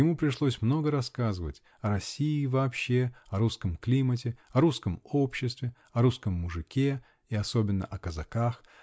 Ему пришлось много рассказывать -- о России вообще, о русском климате, о русском обществе, о русском мужике и особенно о казаках